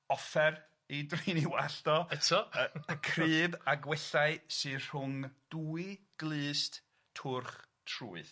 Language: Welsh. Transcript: offer i drin 'i wallt o. Eto? Yy y crib a gwellau sy rhwng dwy glust twrch trwyth.